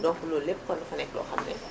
donc loolu lépp kon dafa nekk loo xam ne